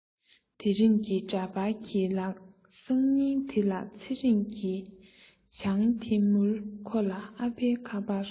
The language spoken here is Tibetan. ད ཐེངས ཀྱི འདྲ པར གྱི ལག སང ཉིན དེ ལ ཚེ རིང གི བྱང དེ མྱུར ཁོ ལ ཨ ཕའི ཁ པར